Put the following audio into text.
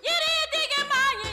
Teritigi ba